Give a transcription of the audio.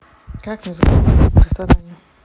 как мне заказать столик в ресторане